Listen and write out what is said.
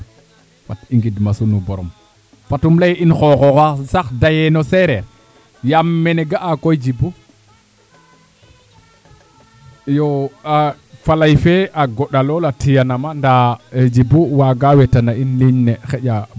fat i ngidma sunu borom fat i lay in xooxoox sax dayee no seereer yaam mene o ga'a koy Djiby iyo fa lay fee a goɗa lool a tiyanama ndaa Djibou waaga wetana in ligne ne xaƴa